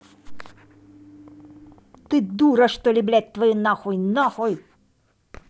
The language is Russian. ты дура что ли блядь твою нахуй захуй